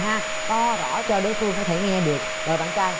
ha to rõ cho đối phương có thể nghe được mời bạn trai